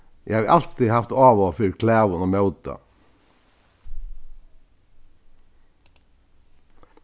eg havi altíð havt áhuga fyri klæðum og móta